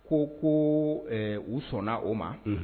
Ko ko u sɔnna o ma